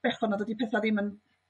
bechod nad ydi petha' ddim yn